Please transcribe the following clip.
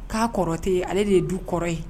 K'a kɔrɔ tɛ yen ale de ye du kɔrɔ ye